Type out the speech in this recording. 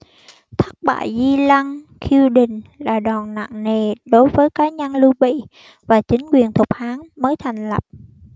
thất bại di lăng khiêu đình là đòn nặng nề đối với cá nhân lưu bị và chính quyền thục hán mới thành lập